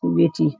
ci wèt yi.